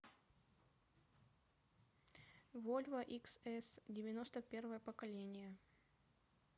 volvo x c девяносто первое поколение